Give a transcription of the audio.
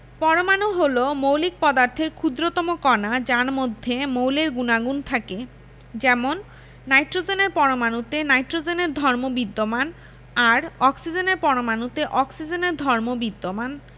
পরমাণু হলো মৌলিক পদার্থের ক্ষুদ্রতম কণা যার মধ্যে মৌলের গুণাগুণ থাকে যেমন নাইট্রোজেনের পরমাণুতে নাইট্রোজেনের ধর্ম বিদ্যমান আর অক্সিজেনের পরমাণুতে অক্সিজেনের ধর্ম বিদ্যমান